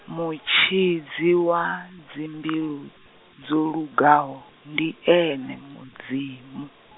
mutshidzi wa dzimbilu, dzolugaho, ndi ene Mudzimu.